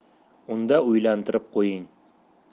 unda uylantirib qo'ying